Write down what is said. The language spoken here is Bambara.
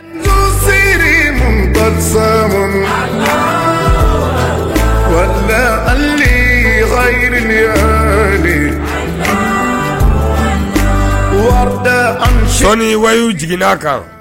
se mu siran la wa wari wa warida an sɔɔni wayiw jiginla kan